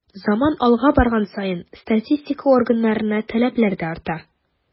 Заман алга барган саен статистика органнарына таләпләр дә арта.